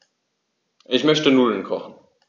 Ich möchte Nudeln kochen.